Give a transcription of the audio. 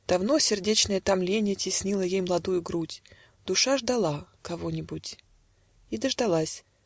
Давно сердечное томленье Теснило ей младую грудь Душа ждала. кого-нибудь, И дождалась.